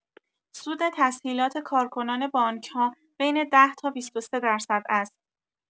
سود تسهیلات کارکنان بانک‌ها بین ۱۰ تا ۲۳ درصد است.